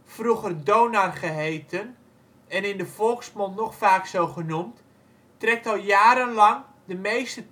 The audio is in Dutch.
vroeger Donar geheten en in de volksmond nog vaak zo genoemd, trekt al jarenlang de meeste